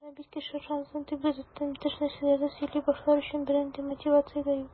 Монда бит кеше ышансын дип, гадәттән тыш нәрсәләрдер сөйли башлар өчен бернинди мотивация дә юк.